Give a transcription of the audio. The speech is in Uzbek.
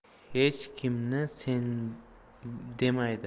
hech kimni sen demaydi